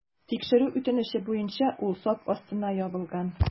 Тикшерү үтенече буенча ул сак астына ябылган.